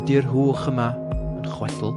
Ydi'r hwch yma yn chwedl?